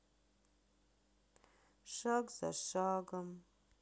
шаг за шагом